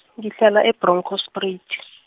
ngihlala e- Bronkoorspruit.